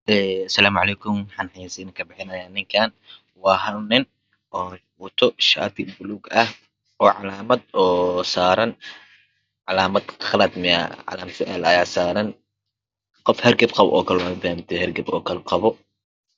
Waa hal nin oo wato shati baluug ah oo calmad saran